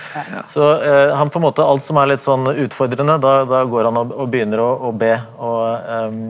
så han på en måte alt som er litt sånn utfordrende da da går han og og begynner å be og .